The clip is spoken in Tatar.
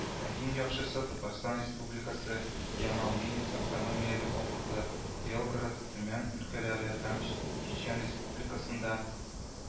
Ә иң яхшысы – татарстан республикасы, ямал-ненец автономияле округы, белгород, төмән өлкәләре һәм чечен республикасында